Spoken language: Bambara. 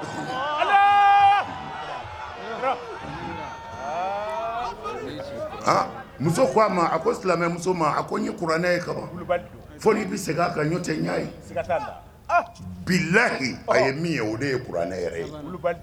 Muso ko a silamɛmuso ma kuranɛ i bɛ segin kan ɲɔo tɛ ye bilaki a ye min ye o ye kuranɛ yɛrɛ